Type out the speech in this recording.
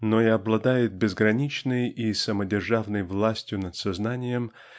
но и обладает безграничной и самодержавной властью над сознанием